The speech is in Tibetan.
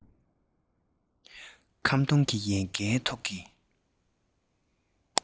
ཁམ སྡོང གི ཡལ གའི ཐོག གི